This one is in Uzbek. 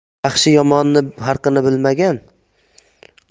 yaxshi yomonning farqini bilmagan